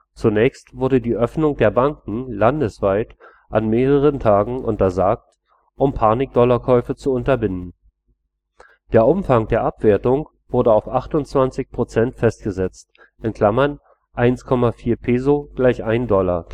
Zunächst wurde die Öffnung der Banken landesweit an mehreren Tagen untersagt, um Panik-Dollarkäufe zu unterbinden. Der Umfang der Abwertung wurde auf 28% festgesetzt (1,40 Peso = 1 Dollar